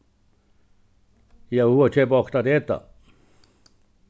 eg havi hug at keypa okkurt at eta